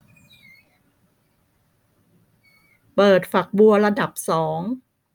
เปิดฝักบัวระดับสอง